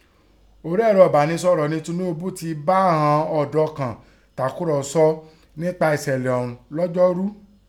Orí ẹ̀rọ ẹ̀báraẹnisọ̀rọ̀ nẹ́ Tínubú tẹ bá ghọn ọ̀dọ́ kàn takùrọ̀sọ nẹ́pa èṣẹ̀lẹ̀ ọ̀ún lọ́jọ́rùú.